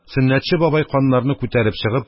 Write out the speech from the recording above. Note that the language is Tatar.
Сөннәтче бабай, каннарны күтәреп чыгып,